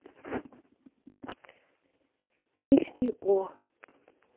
песни о